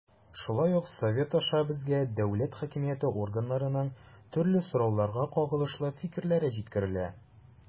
Шулай ук Совет аша безгә дә дәүләт хакимияте органнарының төрле сорауларга кагылышлы фикерләре җиткерелә.